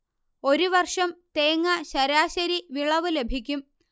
ഒരു വർഷം തേങ്ങ ശരാശരി വിളവ് ലഭിക്കും